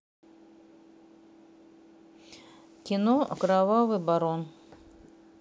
кино кровавый барон